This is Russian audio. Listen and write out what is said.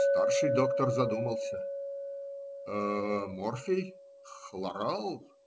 Старший доктор задумался. - Морфий? Хлорал?